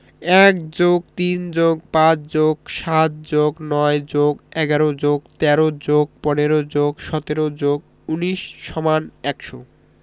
১+৩+৫+৭+৯+১১+১৩+১৫+১৭+১৯=১০০